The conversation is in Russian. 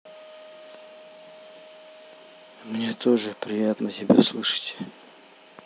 мне тоже приятно тебя слышать